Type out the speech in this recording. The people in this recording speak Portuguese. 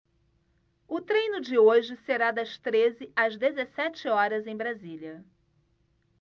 o treino de hoje será das treze às dezessete horas em brasília